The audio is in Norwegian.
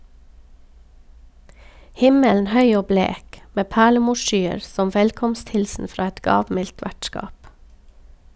Himmelen høy og blek, med perlemorsskyer som velkomsthilsen fra et gavmildt vertskap.